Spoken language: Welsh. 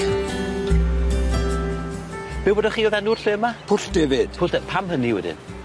Be' wedoch chi o'dd enw'r lle 'ma? Pwll Defyd. Pwll Da- pam hynny wedyn?